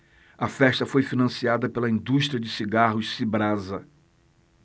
a festa foi financiada pela indústria de cigarros cibrasa